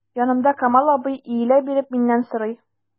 Янымда— Камал абый, иелә биреп миннән сорый.